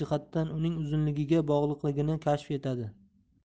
jihatdan uning uzunligiga bog'liqligini kashf etadi